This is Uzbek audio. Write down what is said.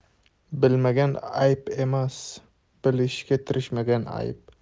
bilmagan ayb emas bilishga tirishmagan ayb